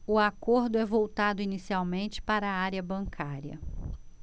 o acordo é voltado inicialmente para a área bancária